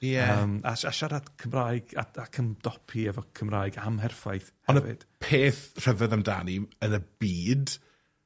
Ie. A yym a a siarad Cymraeg, ac ac ymdopi efo Cymraeg amherffaith ...peth rhyfedd amdani, yn y byd,